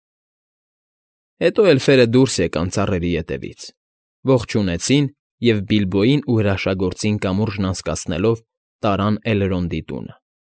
Հետո էլֆերը դուրս եկան ծառերի ետևից, ողջունեցին և Բիլբոյին ու հրաշագործին կամուրջն անցկացնելով տարան Էլրոնդի տունը։